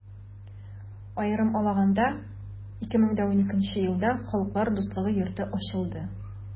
Аерым алаганда, 2012 нче елда Халыклар дуслыгы йорты ачылды.